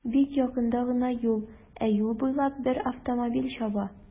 Бик якында гына юл, ә юл буйлап бер автомобиль чаба.